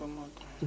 kër Martin